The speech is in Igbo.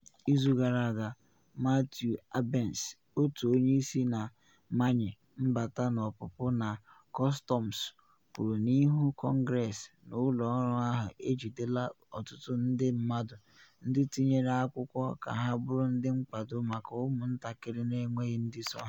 Izu gara aga, Matthew Albence, otu onye isi na Mmanye Mbata na Ọpụpụ na Kọstọms, kwuru n’ihu Kọngress na ụlọ ọrụ ahụ ejidela ọtụtụ ndị mmadụ ndị tinyere akwụkwọ ka ha bụrụ ndị nkwado maka ụmụ ntakịrị na enweghị ndị so ha.